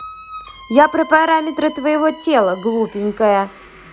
я про параметры твоего тела глупенькая